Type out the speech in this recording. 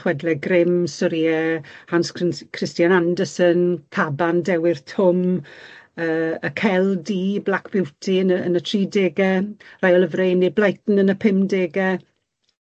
chwedle Grimm, storie Hans Crns- Christian Andersen, Caban D'ewyrth Twm yy y Cel D, Black Beauty yn y yn y tri dege rai o lyfre Enid Blighton yn y pum dege.